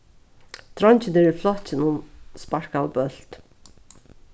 dreingirnir í flokkinum sparkaðu bólt